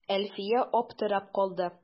Әлфия аптырап калды.